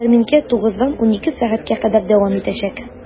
Ярминкә 9 дан 12 сәгатькә кадәр дәвам итәчәк.